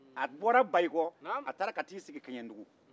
a bɔra bayikɔ a taara ka taa i sigi kiɲɛndugu